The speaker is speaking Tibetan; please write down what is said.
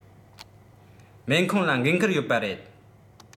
སྨན ཁང ལ འགན ཁུར ཡོད པ རེད